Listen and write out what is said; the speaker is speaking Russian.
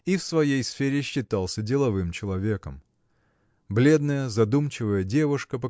и в своей сфере считался деловым человеком. Бледная задумчивая девушка